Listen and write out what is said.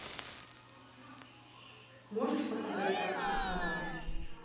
можешь показать карту краснодара